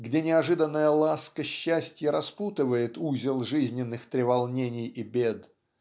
где неожиданная ласка счастья распутывает узел жизненных треволнений и бед.